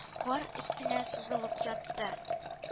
Кар өстенә сузылып ятты